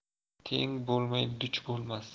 teng bo'lmay duch bo'lmas